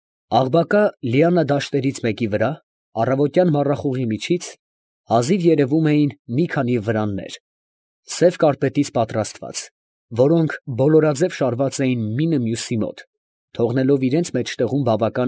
Աղբակա Լիանա դաշտերից մեկի վրա, առավոտյան մառախուղի միջից, հազիվ երևում էին մի քանի վրաններ, սև կապերտից պատրաստված, որոնք բոլորաձև շարված էին մինը մյուսի մոտ, թողնելով իրանց մեջտեղում բավական։